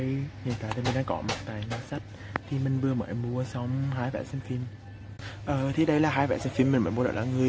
ok mình đang mặt tại nhà sách thì mình vừa mới mua xong vé xem phim thì đây là vé xem phim mình vừa mới mua xong là